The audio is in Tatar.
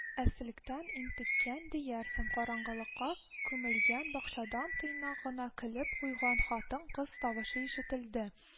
Әсселектән интеккән диярсең,—караңгылыкка күмелгән бакчадан тыйнак кына көлеп куйган хатын-кыз тавышы ишетелде